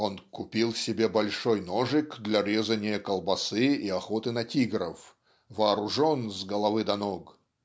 он "купил себе большой ножик для резания колбасы и охоты на тигров, вооружен с головы до ног